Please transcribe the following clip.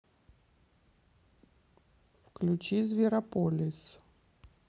включи зверополис